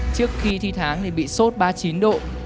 trước khi thi tháng thì bị sốt ba chín độ